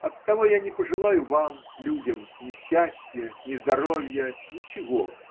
Оттого я не пожелаю вам, людям, ни счастья, ни здоровья, ничего.